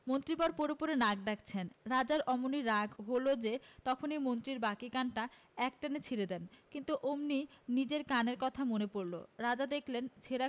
মন্ত্রীবর পড়ে পড়ে নাক ডাকাচ্ছেন রাজার এমনি রাগ হল যে তখনি মন্ত্রীর বাকি কানটা এক টানে ছিড়ে দেন কিন্তু অমনি নিজের কানের কথা মনে পড়ল রাজা দেখলেন ছেঁড়া